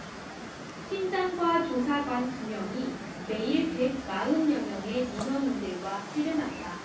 팀장과 조사관 두 명이 매일 백 마흔 여명의 민원인들과 씨름한다